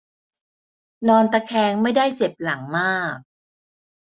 นอนตะแคงไม่ได้เจ็บหลังมาก